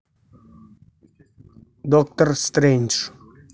доктор стрейндж